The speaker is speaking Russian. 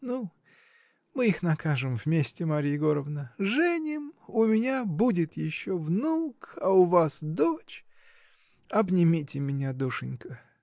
Ну. мы их накажем вместе, Марья Егоровна: женим — у меня будет еще внук, а у вас дочь. Обнимите меня, душенька!